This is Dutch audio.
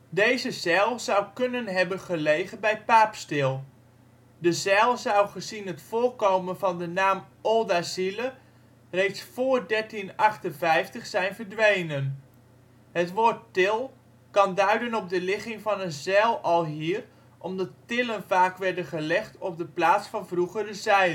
Deze zijl zou kunnen hebben gelegen bij Paapstil. De zijl zou gezien het voorkomen van de naam Oldazile reeds voor 1358 zijn verdwenen. Het woord ' til ' kan duiden op de ligging van een zijl alhier omdat tillen vaak werden gelegd op de plaats van vroegere zijlen